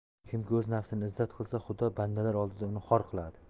kimiki o'z nafsini izzat qilsa xudo bandalar oldida uni xor qiladi